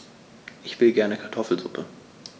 Ich will gerne Kartoffelsuppe.